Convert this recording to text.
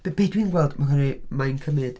B- be dwi'n gweld oherwydd mae hi'n cymryd...